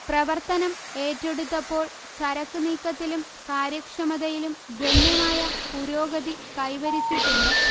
പ്രവർത്തനം ഏറ്റെടുത്തപ്പോൾ ചരക്ക് നീക്കത്തിലും കാര്യക്ഷമതയിലും ഗണ്യമായ പുരോഗതി കൈവരിച്ചിട്ടുണ്ട്